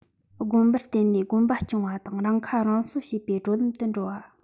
དགོན པར བརྟེན ནས དགོན པ སྐྱོང བ དང རང ཁ རང གསོ བྱེད པའི བགྲོད ལམ དུ འགྲོ བ